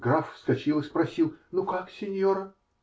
Граф вскочил и спросил: -- Ну, как синьора?